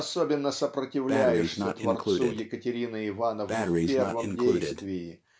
Особенно сопротивляешься творцу "Екатерины Ивановны" в первом действии